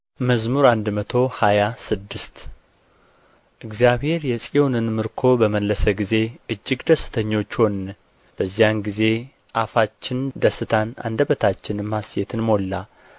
መዝሙር መቶ ሃያ ስድስት እግዚአብሔር የጽዮንን ምርኮ በመለሰ ጊዜ እጅግ ደስተኞች ሆንን በዚያን ጊዜ አፋችን ደስታን አንደበታችንም ሐሴትን ሞላ